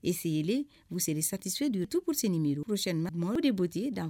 E selen mus satifi de tuur sen nin miruurus na mɔgɔ de b'o ten e dan